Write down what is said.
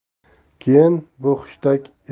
keyin bu hushtak eski